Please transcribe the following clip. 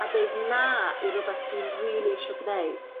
a deud na i rwbeth dwi rili isio gneud.